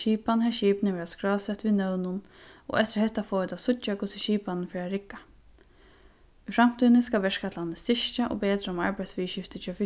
skipan har skipini verða skrásett við nøvnum og eftir hetta fáa vit at síggja hvussu skipanin fer at rigga í framtíðini skal verkætlanin styrkja og betra um arbeiðsviðurskifti hjá